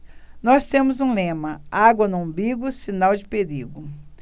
nós temos um lema água no umbigo sinal de perigo